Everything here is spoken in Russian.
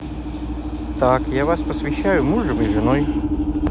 так я вас посвящаю мужем и женой